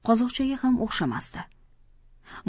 qozoqchaga ham o'xshamasdi